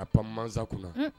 A pan masasa kunna